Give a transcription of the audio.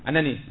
anani